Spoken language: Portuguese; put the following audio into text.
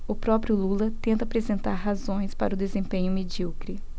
o próprio lula tenta apresentar razões para o desempenho medíocre